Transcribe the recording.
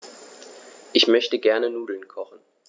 Ich möchte gerne Nudeln kochen.